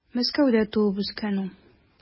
Мәскәүдә туып үскән ул.